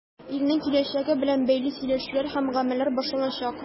Илнең киләчәге белән бәйле сөйләшүләр һәм гамәлләр башланачак.